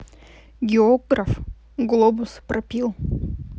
географ глобус пропил